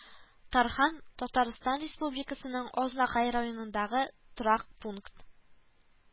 Тархан Татарстан Республикасының Азнакай районындагы торак пункт